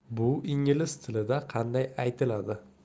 bu ingliz tilida qanday aytiladi